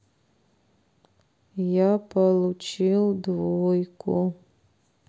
я получил двойку